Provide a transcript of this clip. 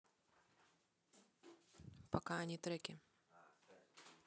пока они треки